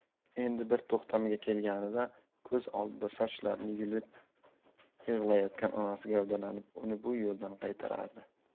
endi bir to'xtamga kelganida ko'z oldida sochlarini yulib yig'layotgan onasi gavdalanib uni bu yo'ldan qaytarardi